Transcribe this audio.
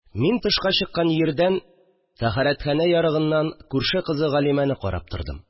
Мин тышка чыккан җирдән, тәһарәтханә ярыгыннан, күрше кызы Галимәне карап тордым